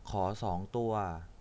ขอสองตัว